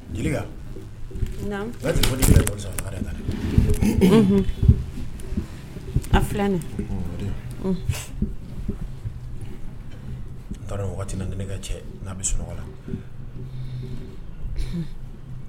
Jeli a filan n taara na ni ne ka cɛ n'a bɛ sunɔgɔ la